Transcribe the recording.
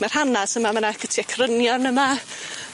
Ma'r hanas yma ma' na cytie crynion yma.